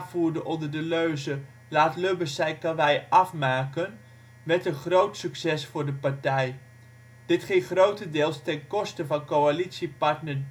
voerde onder de leuze " Laat Lubbers zijn karwei afmaken ", werden een groot succes voor de partij. Dit ging grotendeels ten koste van coalitiepartner